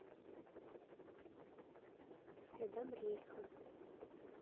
по следам рейха